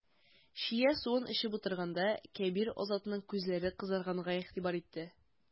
Чия суын эчеп утырганда, Кәбир Азатның күзләре кызарганга игътибар итте.